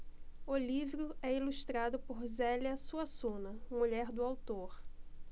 o livro é ilustrado por zélia suassuna mulher do autor